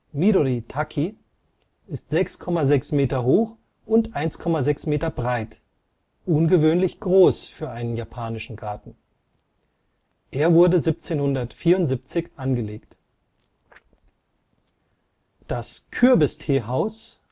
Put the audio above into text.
midori taki) ist 6,6 m hoch und 1,6 m breit, ungewöhnlich groß für einen japanischen Garten. Er wurde 1774 angelegt. Das " Kürbis-Teehaus